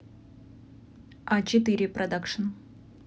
а четыре продакшн